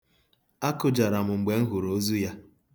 Akụjara m mgbe m hụrụ ozu ya.